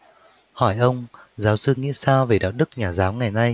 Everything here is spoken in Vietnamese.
hỏi ông giáo sư nghĩ sao về đạo đức nhà giáo ngày nay